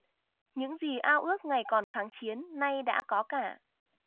những gì ao ước ngày còn kháng chiến nay đã có cả